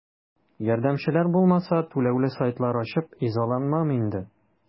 Ярдәмчеләр булмаса, түләүле сайтлар ачып изаланмам инде.